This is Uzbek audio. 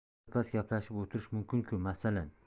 birpas gaplashib o'tirish mumkin ku masalan